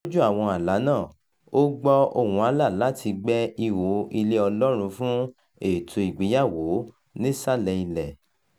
Lójú àwọn àlá náà, ó gbọ́ ohùn-un Allah láti gbẹ́ ihò ilé Ọlọ́run fún ètò ìgbéyàwó nísàlẹ̀ ilẹ̀.